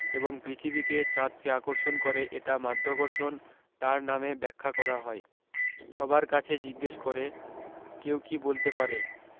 এবং পৃথিবীকে চাঁদকে আকর্ষণ করে এটা মধ্যাকর্ষণ তার নামে ব্যাখ্যা করা হয় সবার কাছে জিজ্ঞেস করে কেউ কী বলতে পারে